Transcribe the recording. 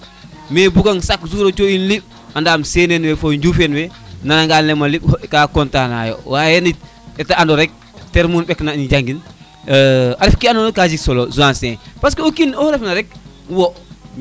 mais bugan chaque jour p coxin liɓ andam seneen we fo njoufeen we nana nga liɓ ga content na yo wayenit nete nado rek terme lun ɓek na im jangin a ref ke ando na ka jeg solo Zancier parce que okino xu ref na rek wo